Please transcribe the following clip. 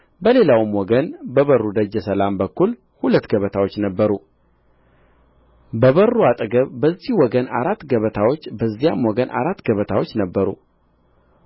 በሌላውም ወገን በበሩ ደጀ ሰላም በኩል ሁለት ገበታዎች ነበሩ በበሩ አጠገብ በዚህ ወገን አራት ገበታዎች በዚያም ወገን አራት ገበታዎች ነበሩ